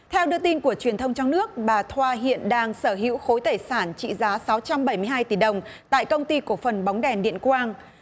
theo đưa tin của truyền thông trong nước bà thoa hiện đang sở hữu khối tài sản trị giá sáu trăm bảy mươi hai tỷ đồng tại công ty cổ phần bóng đèn điện quang